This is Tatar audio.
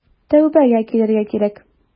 Тәүбәгә килергә кирәк.